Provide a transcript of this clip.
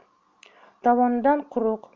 tovonidan quruq